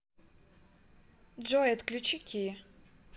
джой отключи ки